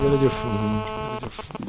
jërëjëf sëñ bi jërëjëf